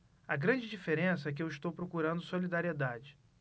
a grande diferença é que eu estou procurando solidariedade